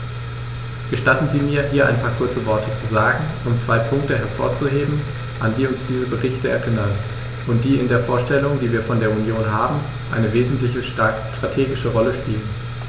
Gestatten Sie mir, hier ein paar kurze Worte zu sagen, um zwei Punkte hervorzuheben, an die uns diese Berichte erinnern und die in der Vorstellung, die wir von der Union haben, eine wesentliche strategische Rolle spielen.